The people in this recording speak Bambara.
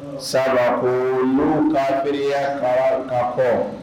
n'u kafiriya kaa ka fɔ